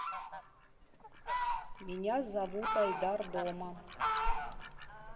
меня зовут айдар дома